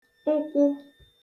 ụkwụ